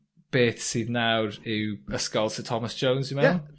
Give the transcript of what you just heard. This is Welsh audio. beth sydd nawr yw ysgol Syr Thomas Jones dwi'n me'wl. Iep.